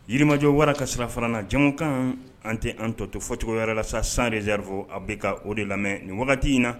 Yiriirimajɔ wara ka sira fara jɛmukan an tɛ an tɔ to fɔcogo wɛrɛ la sa sans réserve a' bɛ ka o de lamɛn nin wagati in na